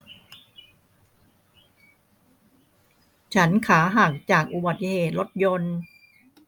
ฉันขาหักจากอุบัติเหตุรถยนต์